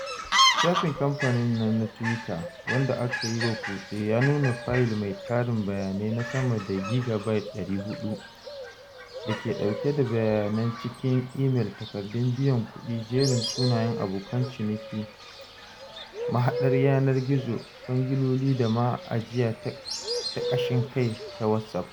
Shafin kamfanin na Twitter, wanda aka yiwa kutse, ya nuna fayil mai tarin bayanai na sama da gigabayit 400 da ke ɗauke da bayanan ciki: imel, takardun biyan kuɗi, jerin sunayen abokan ciniki, mahaɗar yanar gizo, kwangiloli da ma ajiya ta ƙashin kai ta WhatsApp.